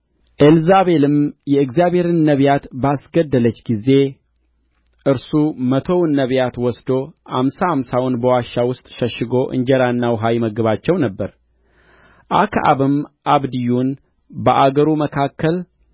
ኤልዛቤልም የእግዚአብሔርን ነቢያት ባስገደለች ጊዜ እርሱ መቶውን ነቢያት ወስዶ አምሳ አምሳውን በዋሻ ውስጥ ሸሽጎ እንጀራና ውኃ ይመግባቸው ነበር አክዓብም አብድዩን በአገሩ መካከል